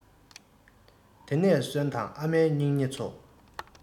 དེ ནས གསོན དང ཨ མའི སྙིང ཉེ ཚོ